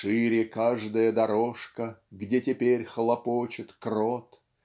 Шире каждая дорожка, Где теперь хлопочет крот.